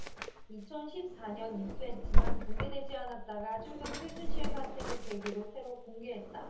이천 십 사 년 입수했지만 공개되지 않았다가 최근 최순실 사태를 계기로 새로 공개했다